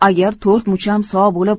agar to'rt muchalim sog' bo'lib